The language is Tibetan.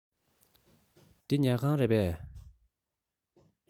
འདི ཉལ ཁང རེད པས